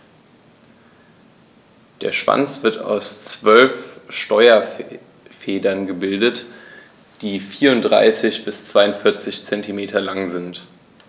Der Schwanz wird aus 12 Steuerfedern gebildet, die 34 bis 42 cm lang sind.